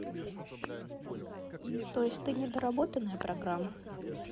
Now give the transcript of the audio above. то есть ты недоработанная программа